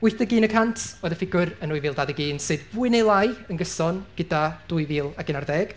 {wyth deg un} y cant oedd y ffigwr yn nwy fil dau ddeg un, sydd fwy neu lai yn gyson gyda dwy fil ac unarddeg.